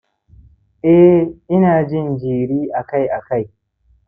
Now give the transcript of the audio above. eh, ina jin jiri akai-akai